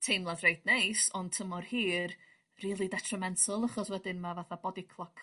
teimlad reit neis ond tymor hir rili detrimental achos wedyn ma' fatha body clock